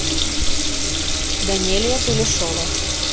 данелия тулешова